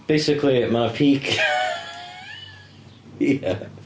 Basically, mae 'na peac- ia.